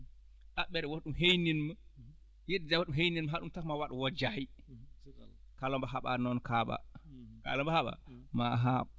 ɗaɓɓere woto ɗum yeynimmi yedde taw ɗum yeynimma e ɗum takma wojjayi kala mbo haɓaa noon kaaɓaa kala mo haɓaa maa a haaɓ